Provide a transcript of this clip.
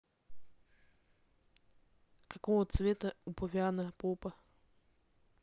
какого цвета у павиана попа